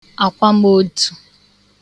àkwamodtu